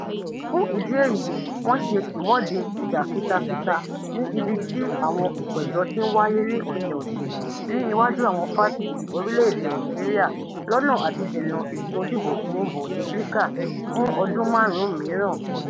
Fún ìdí èyí wọ́n ṣe ìwọ́de ìjàfitafita ní ibi tí àwọn ìpẹ̀jọ́ tí ń wáyé ní ọ̀sọ̀ọ̀sẹ̀ ní iwájú àwọn fáṣítì orílẹ̀ èdè Algeria lọ́nà àti dènà ìtúndìbòfún Bouteflika fún ọdún márùn-ún míràn.